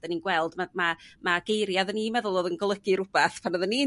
'da ni'n gweld ma' ma' geiria' odda ni'n meddwl o'dd yn golygu r'wbath pan odda ni'n